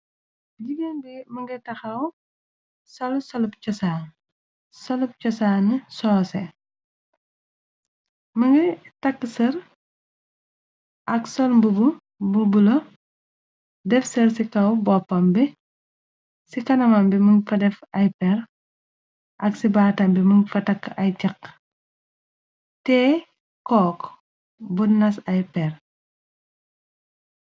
Jigéen bi më ngay taxaw sol salub cosaan. solub cosaani soose më ngay takk sër ak solmbub bu bu la def sër ci kaw boppam bi ci kanamam bi mën fa def ay per ak ci baatam bi mëng fa takk ay ceq te cook bu nas ay peer.